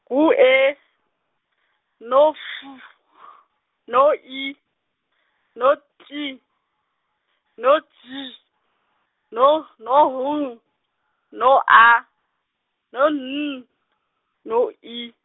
ngu E, no F , no I, no T, no J, no no H, no A, no N, no I.